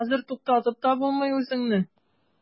Хәзер туктатып та булмый үзеңне.